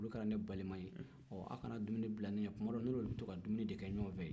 olu kɛra ne baliman ye ɔ a kana dumini bila ne ɲɛ tuma dɔ la ne n'olu bɛ to ka dumini de kɛ ɲɔgɔn fɛ yen